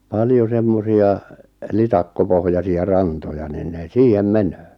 paljon semmoisia litakkopohjaisia rantoja niin ne siihen menee